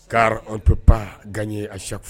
K' an tɛ pan gan ye a si